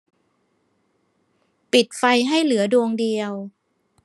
ปิดไฟให้เหลือดวงเดียว